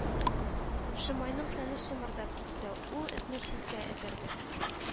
Шимайның тәне чымырдап китте, ул этне читкә этәрде